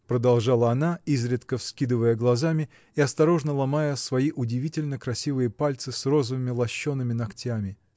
-- продолжала она, изредка вскидывая глазами и осторожно ломая свои удивительно красивые пальцы с розовыми лощеными ногтями.